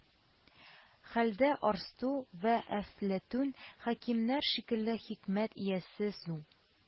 Хәлдә арсту вә әфләтүн хәкимнәр шикелле хикмәт иясе зу